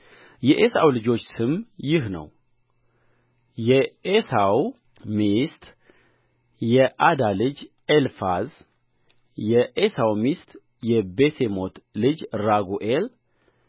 የዔሳው ልጆች ስም ይህ ነው የዔሳው ሚስት የዓዳ ልጅ ኤልፋዝ የዔሳው ሚስት የቤሴሞት ልጅ ራጉኤል